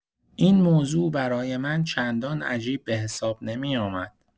این موضوع برای من چندان عجیب به‌حساب نمی‌آمد.